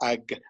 Ag